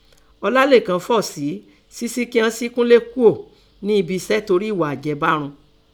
Ọlálékan fọọ́ sí sísí kían sí Kúnlé kúò nẹ́ ebiṣẹ́ torí ẹ̀ghà àjẹbarún.